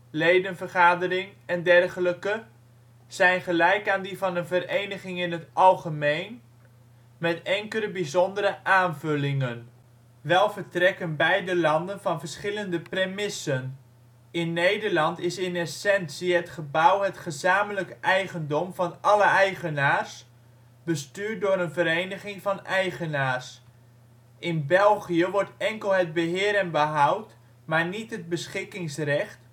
ledenvergadering en dergelijke), zijn gelijk aan die van een vereniging in het algemeen, met enkele bijzondere aanvullingen. Wel vertrekken beide landen van verschillende premissen. In Nederland is in essentie het gebouw de gezamenlijke eigendom van alle eigenaars en bestuurd door een Vereniging van Eigenaars (VvE). In België wordt enkel het beheer en behoud (maar niet het beschikkingsrecht